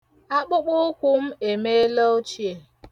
Akpụkpụụkwụ m emeela ochie.